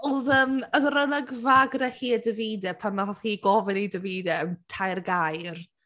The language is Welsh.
Oedd yym... oedd yr olygfa gyda hi a Davide pan wnaeth hi gofyn i Davide am tair gair...